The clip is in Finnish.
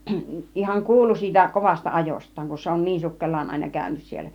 ihan kuulu siitä kovasta ajostaan kun se on niin sukkelaan aina käynyt siellä